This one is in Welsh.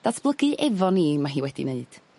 Datblygu efo ni ma' hi wedi neud.